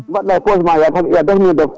mbaɗɗa e poche ya daañ ya daañ hen jaam